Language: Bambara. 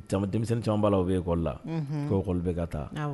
Denmisɛnnin caman b'a u bɛe kɔlila kɔkɔli bɛ ka taa